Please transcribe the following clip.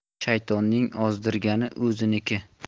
shaytonning ozdirgani o'ziniki